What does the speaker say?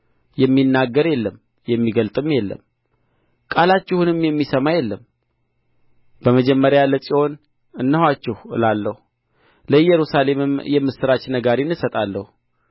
የሚናገር የለም የሚገልጥም የለም ቃላችሁንም የሚሰማ የለም በመጀመሪያ ለጽዮን እነኋቸው እላለሁ ለኢየሩሳሌምም የምስራች ነጋሪን እሰጣለሁ